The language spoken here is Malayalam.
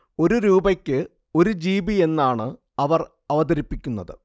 ഒരു രൂപയ്ക്ക് ഒരു ജിബിയെന്നാണ് അവർ അവതരിപ്പിക്കുന്നത്